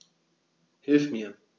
Hilf mir!